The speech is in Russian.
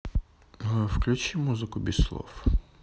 включи музыку без слов